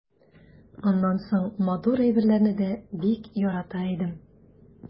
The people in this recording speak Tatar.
Аннан соң матур әйберләрне дә бик ярата идем.